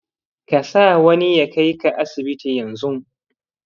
kasa wani ya kaika asibiti yanzun.